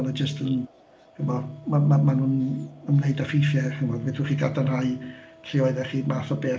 Maen nhw jyst yn chimod ma' ma' maen nhw'n ymwneud â ffeithiau chimod "fedrwch chi gadarnhau lle oeddech chi" math o beth.